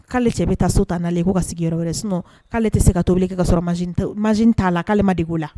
K'ale cɛ bɛ taa so tan'len k ko ka sigin wɛrɛ sun k'ale tɛ se ka tobili k ka sɔrɔ ma taa la k'ale ma de k'o la